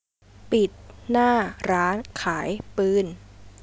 ปิดหน้าร้านขายปืน